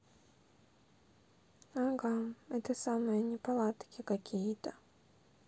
ага это самое неполадки какие то